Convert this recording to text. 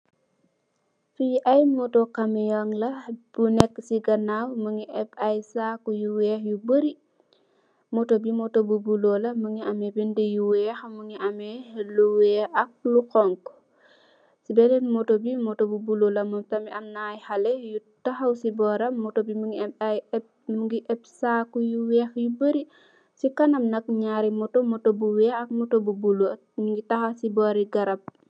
Lii ay "motto" kamiyoñg la, bu nekkë si ganaaw, mu ngi am ay saaku yu weex yu barri,"motto" bi "motto" bu bulo la, mu ngi amee, bindë yu weex, mu ngi amee lu weex ak lu weex ak lu xoñxu. Benen "motto" bi,"motto" bu bulo la, mu ngi am ay xalé yu taxaw si bóoram, motto bi mu ñgi ebb, saako yu weex yu barri. Si kanam nak, ñaari motto, motto bu bulo, mu ñgi taxaw, si boori garab bi.